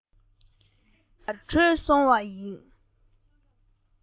ཕྱིར ལྟས མེད པར བྲོས སོང བ ཡིན